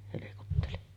helkutteli